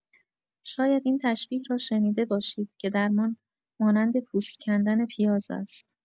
شاید این تشبیه را شنیده باشید که درمان مانند پوست کندن پیاز است.